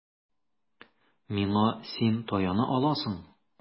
Миңа син таяна аласың.